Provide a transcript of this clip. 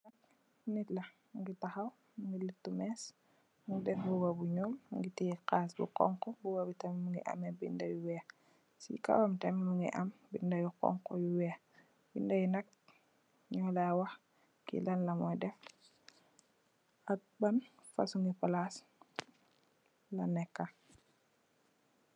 Kee nak neet la muge tahaw muge letou mess mu def muba bu nuul muge teyeh kass bu xonxo muba be tam muge ameh beda yu weex se kawam tam muge ameh beda yu xonxo yu weex beda ye nak nula wah ke lanlamu def ak ban fosunge plass la neka.